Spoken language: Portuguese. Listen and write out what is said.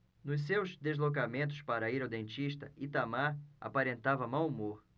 nos seus deslocamentos para ir ao dentista itamar aparentava mau humor